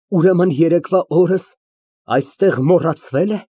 Ուրեմն երեկվա օրն այստեղ մոռացվե՞լ է։